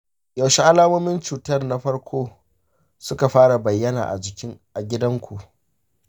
yaushe alamomin cutar na farko suka fara bayyana a gidanku?